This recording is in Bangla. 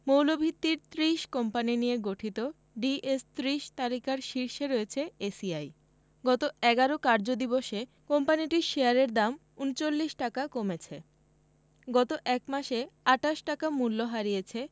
মৌলভিত্তির ৩০ কোম্পানি নিয়ে গঠিত ডিএস ৩০ তালিকার শীর্ষে রয়েছে এসিআই গত ১১ কার্যদিবসে কোম্পানিটির শেয়ারের দাম ৩৯ টাকা কমেছে গত এক মাসে ২৮ টাকা মূল্য হারিয়েছে